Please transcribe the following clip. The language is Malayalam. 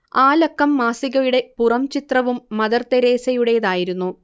ആ ലക്കം മാസികയുടെ പുറംചിത്രവും മദർതെരേസയുടേതായിരുന്നു